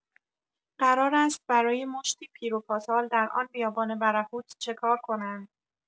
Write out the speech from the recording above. قرار است برای مشتی پیر و پاتال در آن بیابان برهوت چکار کنند